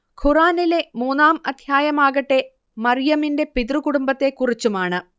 ഖുർആനിലെ മൂന്നാം അധ്യായമാകട്ടെ മർയമിന്റെ പിതൃകുടുംബത്തെ കുറിച്ചുമാണ്